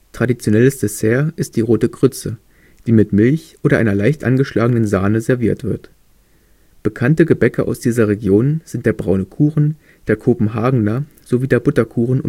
Traditionelles Dessert ist die Rote Grütze, die mit Milch oder einer leicht angeschlagenen Sahne serviert wird. Bekannte Gebäcke aus dieser Region sind der braune Kuchen, der Kopenhagener sowie der Butterkuchen